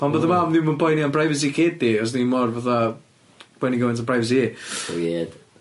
Pam bod y fam ddim yn poeni am privacy kid ddi os ddi mor fatha poeni cymaint am privacy 'i. Wierd.